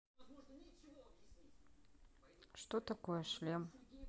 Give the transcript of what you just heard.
что такое шлем